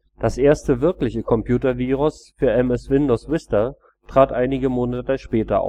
Das erste wirkliche Computervirus für MS Windows Vista trat einige Monate später